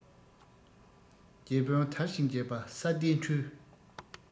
རྗེ དཔོན དར ཞིང རྒྱས པ ས སྡེའི འཕྲུལ